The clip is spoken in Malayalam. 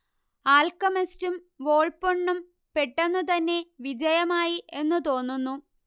ആൽക്കെമിസ്റ്റും വോൾപ്പോണും പെട്ടെന്നുതന്നെ വിജയമായി എന്നു തോന്നുന്നു